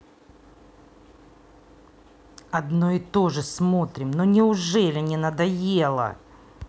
одно и тоже смотрим ну неужели не надоело